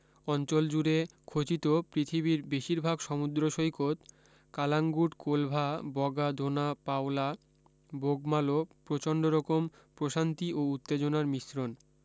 অঞ্চল জুড়ে খচিত পৃথিবীর বেশিরভাগ সুন্দর সৈকত কালাঙ্গুট কোলভা বগা দোনা পাওলা বোগমালো প্রচন্ডরকম প্রশান্তি ও উত্তেজনার মিশ্রন